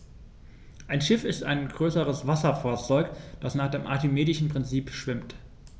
Ein Schiff ist ein größeres Wasserfahrzeug, das nach dem archimedischen Prinzip schwimmt.